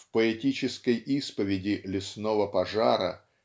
в поэтической исповеди "Лесного пожара"